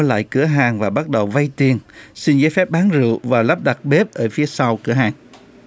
mua lại cửa hàng và bắt đầu vay tiền xin giấy phép bán rượu và lắp đặt bếp ở phía sau cửa hàng